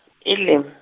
Elim.